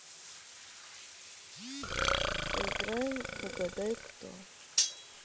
поиграем в угадай кто